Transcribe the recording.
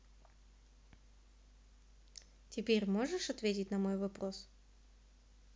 теперь можешь ответить на мой вопрос